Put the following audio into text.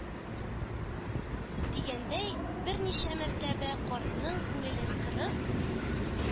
Дигәндәй, берничә мәртәбә картның күңелен кырыс,